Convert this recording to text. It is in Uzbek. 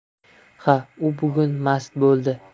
ha u bugun mast bo'ldi